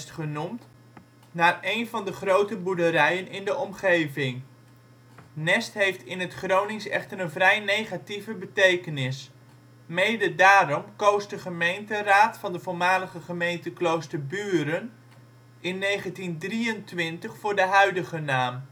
genoemd, naar een van de grote boerderijen in de omgeving. Nest heeft in het Gronings echter een vrij negatieve betekenis. Mede daarom koos de gemeenteraad van de voormalige gemeente Kloosterburen in 1923 voor de huidige naam